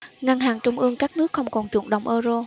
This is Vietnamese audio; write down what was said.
ngân hàng trung ương các nước không còn chuộng đồng euro